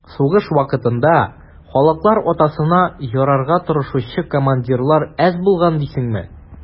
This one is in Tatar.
Сугыш вакытында «халыклар атасына» ярарга тырышучы командирлар әз булган дисеңме?